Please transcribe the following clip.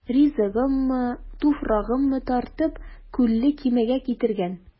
Ризыгыммы, туфрагыммы тартып, Күлле Кимегә китергән.